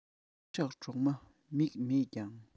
སྲོག ཆགས གྲོག མ མིག མེད ཀྱང